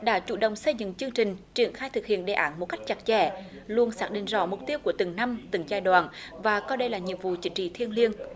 đã chủ động xây dựng chương trình triển khai thực hiện đề án một cách chặt chẽ luôn xác định rõ mục tiêu của từng năm từng giai đoạn và coi đây là nhiệm vụ chính trị thiêng liêng